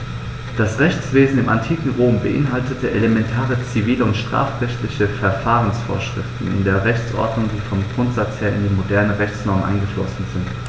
Das Rechtswesen im antiken Rom beinhaltete elementare zivil- und strafrechtliche Verfahrensvorschriften in der Rechtsordnung, die vom Grundsatz her in die modernen Rechtsnormen eingeflossen sind.